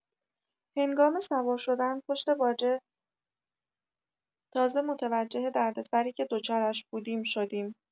هنگام سوار شدن، پشت باجه تازه متوجه دردسری که دچارش بودیم شدیم.